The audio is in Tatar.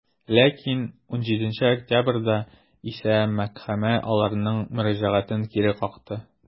Ләкин 17 октябрьдә исә мәхкәмә аларның мөрәҗәгатен кире какты.